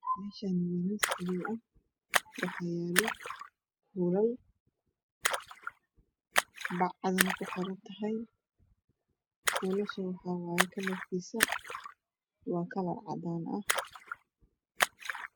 Meshaan waa miiis pluug aha waxa ayaal Kulal oac ayey ku xirantahy kuulasha kalrkiisa waxaa wayee kalar cadana h